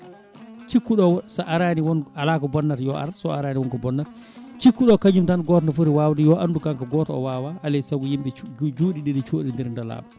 cikkuɗo o so arani wonko ala ko bonnata yo ar so arani wonko bonnata cikkuɗo o kañum tan goto ne footi wawde yo andu kanko tan goto o wawa alay saago yimɓe juuɗe ɗiɗi coɗodira nde laaɓa